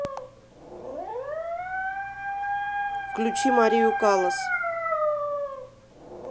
включи марию каллас